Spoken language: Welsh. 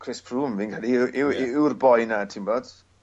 Chris Froome fi'n credu yw yw'r y- yw'r boi 'n ti'n 'bod?